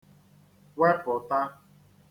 wepụta